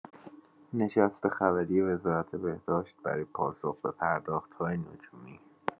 نشست خبری وزارت بهداشت برای پاسخ به پرداخت‌های نجومی